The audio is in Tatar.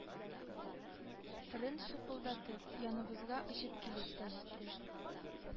Рын шапылдатып, яныбызга очып килеп тә җитте